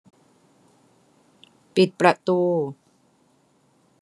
ปิดประตู